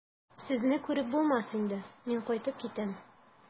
Сезне күреп булмас инде, мин кайтып китәм.